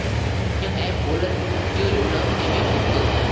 nhưng em của linh chưa đủ lớn để biết tưởng tượng